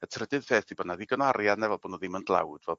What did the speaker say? y trydydd peth 'di bod 'na ddigon o arian efo bo' nw ddim yn dlawd fel